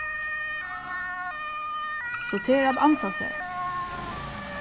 so tað er at ansa sær